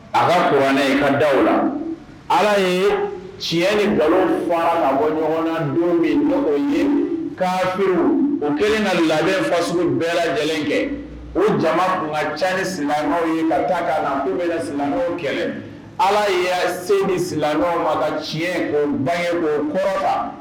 A ka koɛ ka da la ala ye tiɲɛ ni balo fara ka bɔ ɲɔgɔn na don min ye kafi o kɛlen ka labɛn faso sugu bɛɛ lajɛlen kɛ o jama tun ka ca ni silamɛw ye ka taa k'a la silamɛw kɛlɛ ala ye' se ni silamɛ ma tiɲɛ o ba oo kɔ